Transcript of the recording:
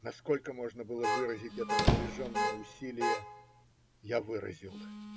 Насколько можно было выразить это напряженное усилие, я выразил.